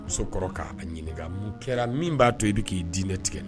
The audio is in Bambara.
Musokɔrɔ k'a ɲininka mun kɛra min b'a to don k'i diinɛ tigɛ la